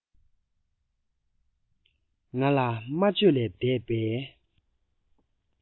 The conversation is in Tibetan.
ང ལ སྨྲ བརྗོད ལས འདས པའི